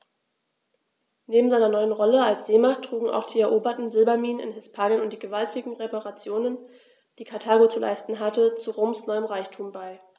Neben seiner neuen Rolle als Seemacht trugen auch die eroberten Silberminen in Hispanien und die gewaltigen Reparationen, die Karthago zu leisten hatte, zu Roms neuem Reichtum bei.